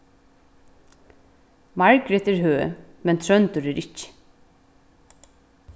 margret er høg men tróndur er ikki